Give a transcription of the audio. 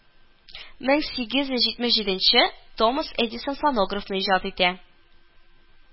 Мең сигез йөз җитмеш җиңенче томас эдисон фонографны иҗат итә